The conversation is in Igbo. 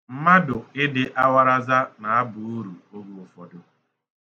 Mmadụ ịdị awaraza na-aba uru oge ụfọdụ.